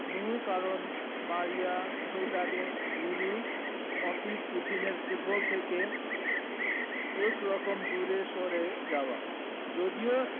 মূল কারণ মারিয়া তহুরাদের গুরু মফিজ উদ্দিনের ফুটবল থেকে একরকম দূরে সরে যাওয়া যদিও